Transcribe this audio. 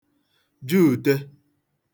juùte